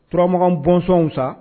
Turama bɔnsɔnw san